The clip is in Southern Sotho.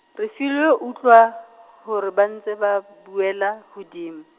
Refilwe o utlwa, hore ba ntse ba, buela, hodimo.